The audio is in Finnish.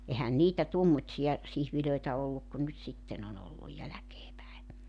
eihän niitä tuommoisia siivilöitä ollut kuin nyt sitten on ollut jälkeen päin